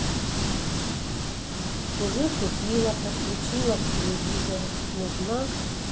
уже купила подключила к телевизору нужна